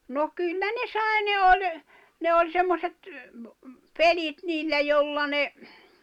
no kyllä ne sai ne oli ne oli semmoiset pelit niillä jolla ne